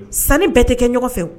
Sani bɛɛ tɛ kɛ ɲɔgɔn fɛ